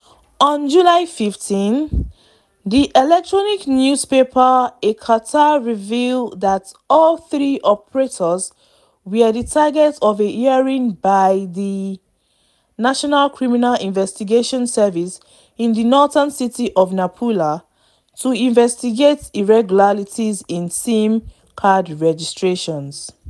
On July 15, the electronic newspaper A Carta revealed that all three operators were the target of a hearing by the National Criminal Investigation Service in the northern city of Nampula to investigate irregularities in SIM card registrations.